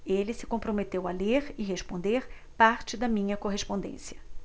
ele se comprometeu a ler e responder parte da minha correspondência